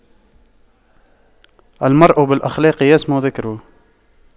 المرء بالأخلاق يسمو ذكره